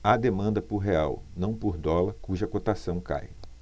há demanda por real não por dólar cuja cotação cai